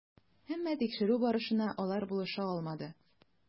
Әмма тикшерү барышына алар булыша алмады.